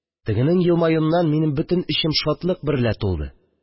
Тегенең елмаюыннан минем бөтен эчем шатлык берлә тулды